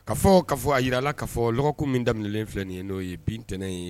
Ka fɔ ka fɔ a jirala k'a fɔ dɔgɔkun min daminɛnen filɛ nin ye n'o ye bi ntɛnɛn ye